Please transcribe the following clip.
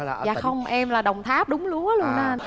dạ không em là đồng tháp đúng lúa luôn á anh